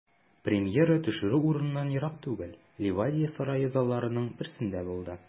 Премьера төшерү урыныннан ерак түгел, Ливадия сарае залларының берсендә булды.